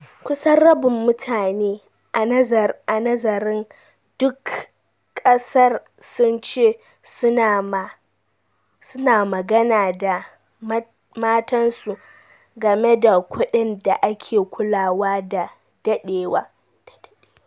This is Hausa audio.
Kusan rabin mutane a nazarin duk kasar sun ce su na magana da matansu game da kudin da ake kulawa da dadewa.